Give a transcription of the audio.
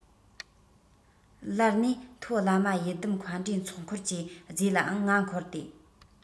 ལར ནས མཐོ བླ མ ཡི དམ མཁའ འགྲོའི ཚོགས འཁོར གྱི རྫས ལའང ང འཁོར སྟེ